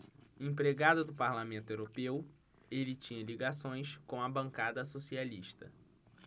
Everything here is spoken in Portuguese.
empregado do parlamento europeu ele tinha ligações com a bancada socialista